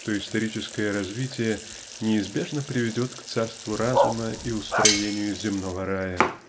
что историческое развитие неизбежно приведет к царству разума и устроению земного рая?